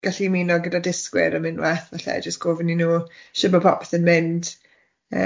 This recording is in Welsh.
...gallu ymuno gyda disgwyr am unwaith falle jyst gofyn i nhw shwd ma popeth yn mynd yym.